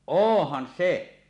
onhan se